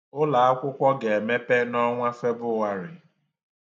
Ụlọakwụkwọ ga-emepe n'ọnwa Febụwarị.